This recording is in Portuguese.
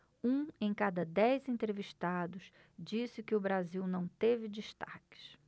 um em cada dez entrevistados disse que o brasil não teve destaques